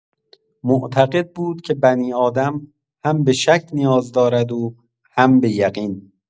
معتقد بود که بنی‌آدم هم به شک نیاز دارد و هم بۀقین.